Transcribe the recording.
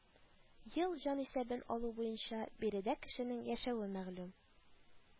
Ел җанисәбен алу буенча биредә кешенең яшәве мәгълүм